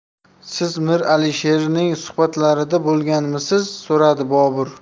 siz mir alisherning suhbatlarida bo'lganmisiz so'radi bobur